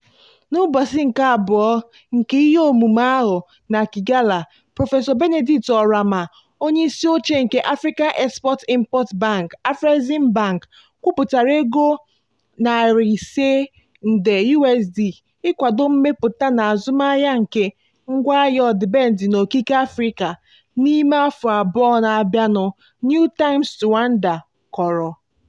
N'ụbọchị nke abụọ nke ihe omume ahụ na Kigali, prọfesọ Benedict Oramah, onye isi oche nke African Export-Import Bank (Afreximbank) kwupụtara ego $500 nde USD "ịkwado mmepụta na azụmaahịa nke ngwaahịa ọdịbendị na okike Africa" n'ime afọ abụọ na-abịanụ, New Times Rwanda kọrọ.